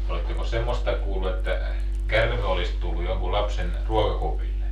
olettekos semmoista kuullut että käärme olisi tullut jonkun lapsen ruokakupille